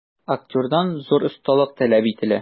Актердан зур осталык таләп ителә.